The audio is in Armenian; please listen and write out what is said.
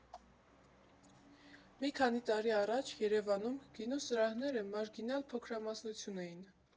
Մի քանի տարի առաջ Երևանում գինու սիրահարները մարգինալ փոքրամասնություն էին։